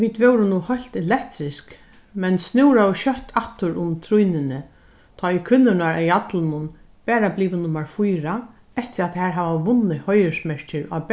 vit vóru nú heilt elektrisk men snúðraðu skjótt aftur um trýnini tá ið kvinnurnar á jallinum bara blivu nummar fýra eftir at tær hava vunnið heiðursmerkir á